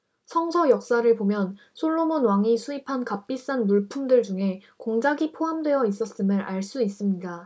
성서 역사를 보면 솔로몬 왕이 수입한 값비싼 물품들 중에 공작이 포함되어 있었음을 알 수 있습니다